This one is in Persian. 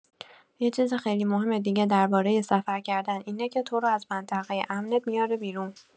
یه چیز خیلی مهم دیگه درباره سفر کردن اینه که تو رو از منطقه امنت میاره بیرون.